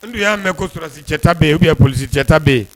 N dun y'a mɛn ko sɔrsicɛta bɛ yen ou bien police cɛ ta bɛ yen.